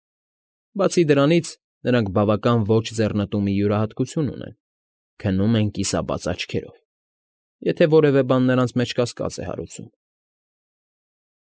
Բացի դրանից, նրանք բավական ոչ ձեռնտու մի յուրահատկություն ունեն՝քնում են կիսաբաց աչքերով, եթե որևէ բան նրանց մեջ կասկած է հարուցում։